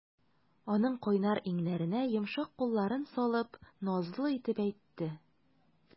Аның кайнар иңнәренә йомшак кулларын салып, назлы итеп әйтте.